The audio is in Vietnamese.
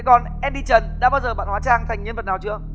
còn en đi trần đã bao giờ bạn hóa trang thành nhân vật nào chưa